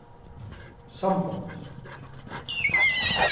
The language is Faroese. sambond